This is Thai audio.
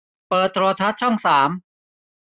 เปิดโทรทัศน์ช่องสาม